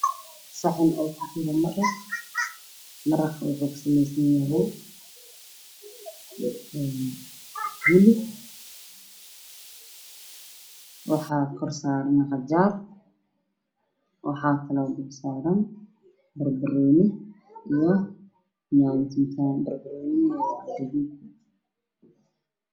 Saxan uu ku jiro marqa wuxuu ka sameysan yahay hilib waxay ag yaalla saxan kale oo ku jirto canjeer canjeero waxayna saaran yihiin miis kan caddaan ah